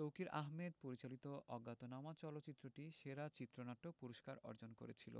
তৌকীর আহমেদ পরিচালিত অজ্ঞাতনামা চলচ্চিত্রটি সেরা চিত্রনাট্য পুরস্কার অর্জন করেছিল